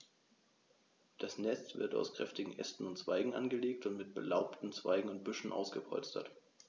Das Nest wird aus kräftigen Ästen und Zweigen angelegt und mit belaubten Zweigen und Büscheln ausgepolstert.